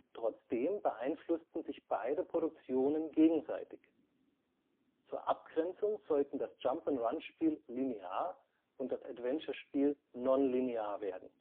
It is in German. Trotzdem beeinflussten sich beide Produktionen gegenseitig. Zur Abgrenzung sollten das Jump -’ n’ - Run-Spiel linear und das Adventure-Spiel nonlinear werden